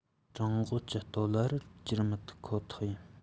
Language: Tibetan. གྲང འགོག གི སྟོད ལྭ རུ འགྱུར མི ཐུབ ཁོ ཐག ཡིན